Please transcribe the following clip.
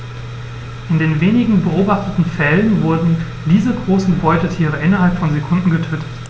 In den wenigen beobachteten Fällen wurden diese großen Beutetiere innerhalb von Sekunden getötet.